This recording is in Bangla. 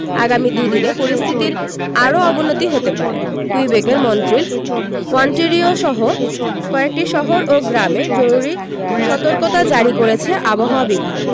আগামী দু'দিনে পরিস্থিতির আরও অবনতি হতে পারে কুইবেকের মন্ট্রিল ওন্টারিওসহ কয়েকটি শহর ও গ্রামে জরুরি সতর্কতা জারি করেছে আবহাওয়া বিভাগ